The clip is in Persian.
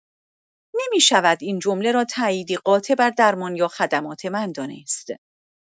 نمی‌شود این جمله را تاییدی قاطع بر درمان یا خدمات من دانست.